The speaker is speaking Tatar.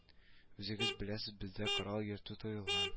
Үзегез беләсез бездә корал йөртү тыелган